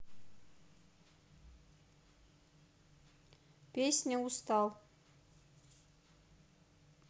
песня устал